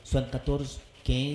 Sankar kɛ